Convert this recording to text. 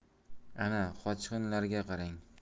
ana qochqinlarga qarang